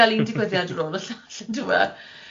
Fel un digwyddiad ar ôl y llall yndyw e?